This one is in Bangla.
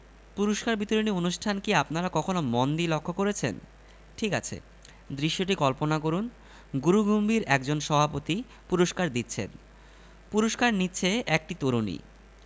এটা হচ্ছে বড় ধরনের বেকায়দার গল্প ছোট ধরনের বেকায়দাও প্রচুর ঘটছে আমাদের চোখের সামনেই ঘটছে একটা উদাহরণ দিসেই আপনারা ধরতে পারবেন পুরস্কার বিতরণী অনুষ্ঠান